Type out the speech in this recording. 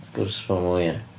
Wrth sgwrs bod o'm yn wir.